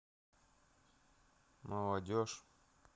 молодежь